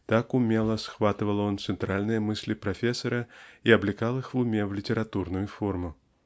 так умело схватывал он центральные мысли профессора и облекал их в уме в литературную форму.